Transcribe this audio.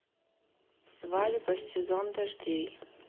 свадьба сезон дождей